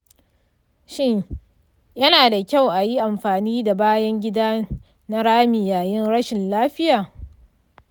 shin yana da kyau a yi amfani da bayan gida na rami yayin rashin lafiya?